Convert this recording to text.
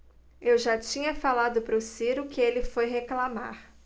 eu já tinha falado pro ciro que ele foi reclamar